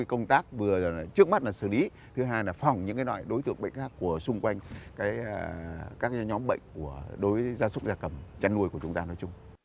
công tác vừa trước mắt là xử lý thứ hai là phá hỏng những cái loại đối tượng bệnh khác của xung quanh cái á các nhóm bệnh của đối gia súc gia cầm chăn nuôi của chúng ta nói chung